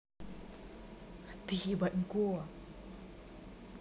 ты ебанько